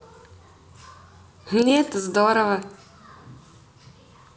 мне это здорово